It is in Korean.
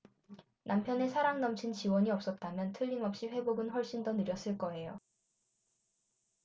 남편의 사랑 넘친 지원이 없었다면 틀림없이 회복은 훨씬 더 느렸을 거예요